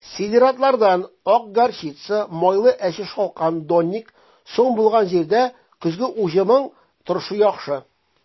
Сидератлардан (ак горчица, майлы әче шалкан, донник) соң булган җирдә көзге уҗымның торышы яхшы.